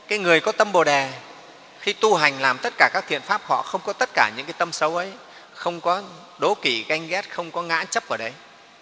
cái người có tâm bồ đề khi tu hành làm tất cả các thiện pháp họ không có tất cả những cái tâm xấu ấy không có đố kỵ ganh ghét không có ngã chấp vào đấy